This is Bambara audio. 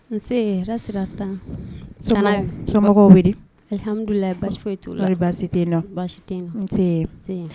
N tan sodu